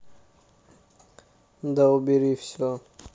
да убери все